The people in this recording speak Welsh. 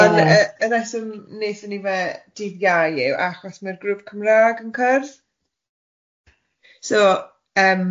...ond yy y reswm wnaethon ni fe dydd Iau yw achos mae'r grŵp Cymrag yn cyrdd, so yym.